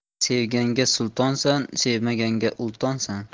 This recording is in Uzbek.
sevganga sultonsan sevmaganga ultonsan